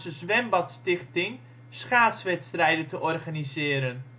schaatswedstrijden te organiseren